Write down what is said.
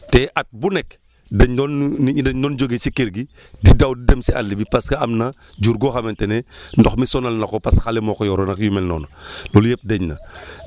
te at bu nekk dañ doon nit ñi dañ doon jóge si kër gi di daw di dem si àll bi parce que am na jur goo xamante ne ndox mi sonal na ko parce que xale moo ko yoroon ak yu mel noonu loolu yëpp dañ na